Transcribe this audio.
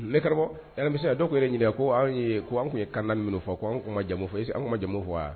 Ne karamɔgɔmiya dɔw yɛrɛ ɲini ko anw ko an tun ye kan min fɔ k anw ma jamu fɔ e an ka ma jamu fɔ wa